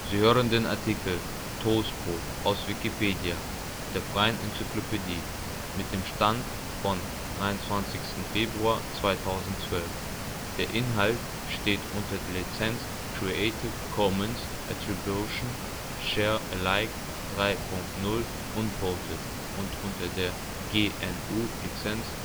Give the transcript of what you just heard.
hören den Artikel Toastbrot, aus Wikipedia, der freien Enzyklopädie. Mit dem Stand vom Der Inhalt steht unter der Lizenz Creative Commons Attribution Share Alike 3 Punkt 0 Unported und unter der GNU Lizenz